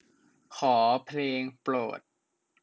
ขอเพลงโปรด